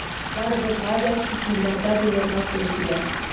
Барыбызга да чит илләрдә булырга туры килә.